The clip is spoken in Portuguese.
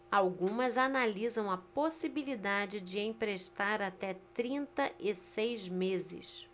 algumas analisam a possibilidade de emprestar até trinta e seis meses